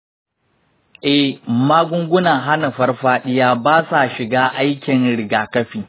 eh, magungunan hana farfadiya ba sa shiga aikin rigakafi.